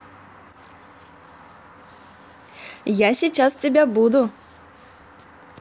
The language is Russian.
я сейчас тебя буду